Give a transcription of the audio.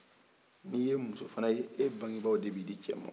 ni ye muso fana e bangebaw de bi di ce ma